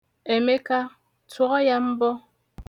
Emeka, tụọ ya mbọ!